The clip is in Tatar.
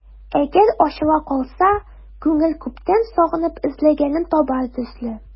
Әгәр ачыла калса, күңел күптән сагынып эзләгәнен табар төсле...